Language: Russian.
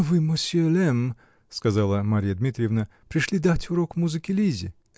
-- Вы, мосье Лемм, -- сказала Марья Дмитриевна, -- пришли дать урок музыки Лизе?